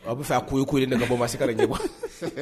A bɛ fɛ a ko i ko nanabɔ masi ka ɲɛ wa